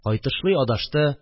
Кайтышлый адашты